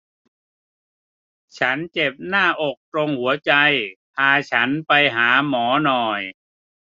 ฉันเจ็บหน้าอกตรงหัวใจพาฉันไปหาหมอหน่อย